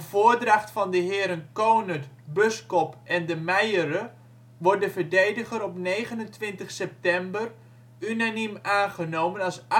voordracht van de heren Konert, Buskop en De Meijere wordt de verdediger op 29 september unaniem aangenomen als